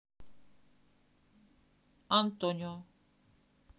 антонио